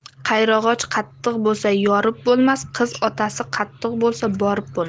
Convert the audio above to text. qayrag'och qattiq boisa yorib bo'lmas qiz otasi qattiq bo'lsa borib bo'lmas